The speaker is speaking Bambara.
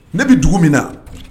Ne bɛ dugu min na